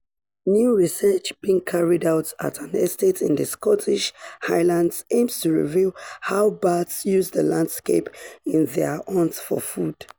New research being carried out at an estate in the Scottish Highlands aims to reveal how bats use the landscape in their hunt for food.